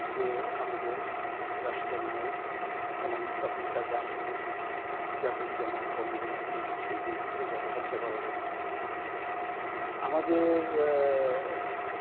যে আমাদের রাষ্ট্রনায়ক এবং তখনকার রাষ্ট্রপতি জাতির জনক বঙ্গবন্ধুকে সেদিন এভাবে হত্যা করা হয়েছে আমাদের